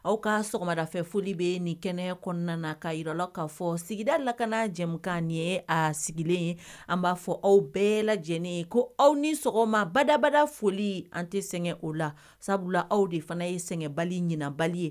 Aw ka sɔgɔmada fɛ foli bɛ nin kɛnɛ kɔnɔna na ka yi la k kaa fɔ sigida lakana jɛkan ni ye a sigilen ye an b'a fɔ aw bɛɛ lajɛlen ye ko aw ni sɔgɔma badabada foli an tɛ sɛgɛn o la sabula aw de fana ye sɛgɛnbali ɲinbali ye